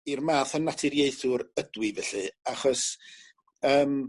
i'r math o naturiaethwr ydw i felly achos yym